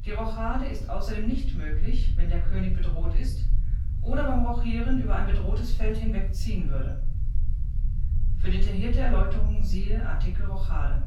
Rochade ist außerdem nicht möglich, wenn der König bedroht ist oder beim Rochieren über ein bedrohtes Feld hinweg ziehen würde. Für detaillierte Erläuterungen siehe: Rochade